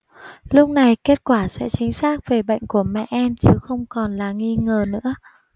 lúc này kết quả sẽ chính xác về bệnh của mẹ em chứ không còn là nghi ngờ nữa